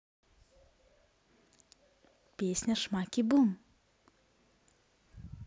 песня шмаки бум